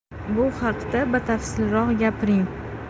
bu haqda batafsilroq gapiring